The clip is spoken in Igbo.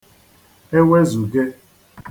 ewezùge